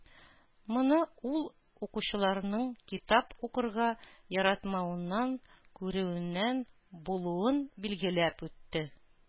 Моны ул укучыларның китап укырга яратмавыннан күрүеннән булуын билгеләп үтте.